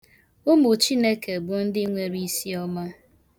Ụmụ Chineke bụ ndị nwere isiọma.